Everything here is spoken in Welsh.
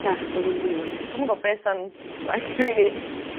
Nachdw ddim rili. Dwi'n yn gwbo be' sa'n well rili